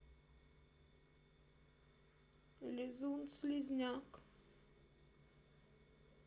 лизун слизняк